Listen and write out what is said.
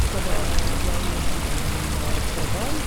Så det er jeg og samboeren min og tre barn.